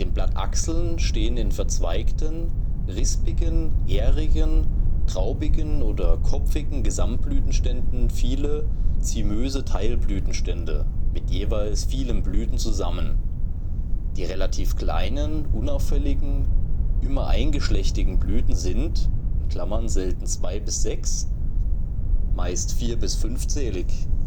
Blattachseln stehen in verzweigten, rispigen, ährigen, traubigen oder kopfigen Gesamtblütenständen viele zymöse Teilblütenstände mit jeweils vielen Blüten zusammen. Die relativ kleinen, unauffälligen, immer eingeschlechtigen Blüten sind (selten zwei - bis sechs -) meist vier - bis fünfzählig